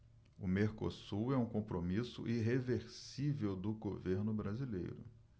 o mercosul é um compromisso irreversível do governo brasileiro